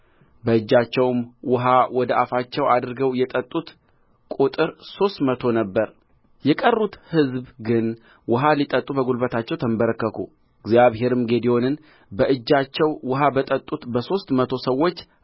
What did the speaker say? እግዚአብሔርም ጌዴዎንን በእጃቸው ውኃ በጠጡት በሦስት መቶ ሰዎች አድናችኋለሁ ምድያማውያንንም በእጅህ አሳልፌ እሰጥሃለሁ የቀሩት ሕዝብ ሁሉ ግን ወደ ስፍራቸው ይመለሱ አለው